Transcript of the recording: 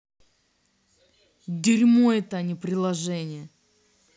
дерьмо это а не приложение